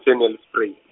se- Nelspruit.